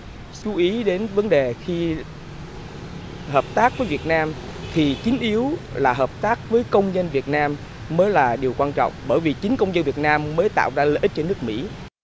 chú ý đến vấn đề khi hợp tác với việt nam thì chính yếu là hợp tác với công dân việt nam mới là điều quan trọng bởi vì chính công dân việt nam mới tạo ra lợi ích cho nước mỹ